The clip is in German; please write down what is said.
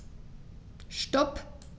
Stop.